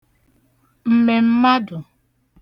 m̀mèmmadụ̀